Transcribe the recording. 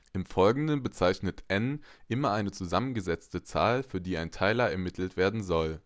Im Folgenden bezeichnet n {\ displaystyle n} immer eine zusammengesetzte Zahl, für die ein Teiler ermittelt werden soll